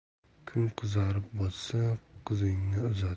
kun qizarib botsa qizingni uzat